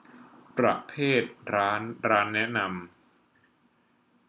ประเภทร้านร้านแนะนำ